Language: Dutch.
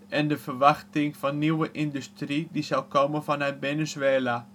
en de verwachting van nieuwe industrie die zal komen vanuit Venezuela